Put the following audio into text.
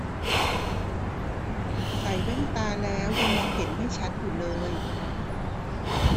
ใส่แว่นตาแล้วยังมองเห็นไม่ชัดอยู่เลย